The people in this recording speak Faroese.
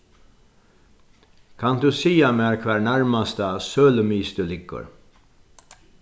kanst tú siga mær hvar nærmasta sølumiðstøð liggur